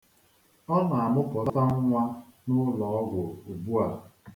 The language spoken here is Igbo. Ọ na-amụpụta nwa n'ụlọọgwụ ugbua.